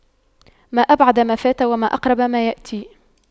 ما أبعد ما فات وما أقرب ما يأتي